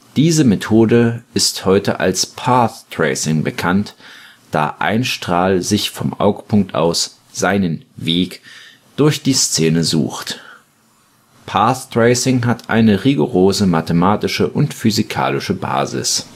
Diese Methode ist heute als Path Tracing bekannt, da ein Strahl sich vom Augpunkt aus seinen „ Weg “durch die Szene sucht. Path Tracing hat eine rigorose mathematische und physikalische Basis